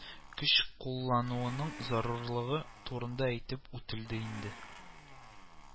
Көч куллануның зарурлыгы турында әйтеп үтелде инде